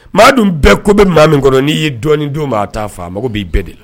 Maa dun bɛɛ kobɛ maa min kɔnɔ n'i ye dɔɔnin d'o maa a t'a fa, a mago b'i bɛɛ de la